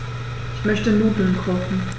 Ich möchte Nudeln kochen.